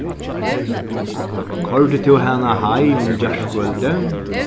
koyrdi tú hana heim í gjárkvøldið